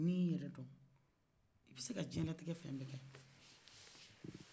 n'i y'i yɛrɛdon i b'i se ka jɛnatigɛ fɛn bɛ kɛ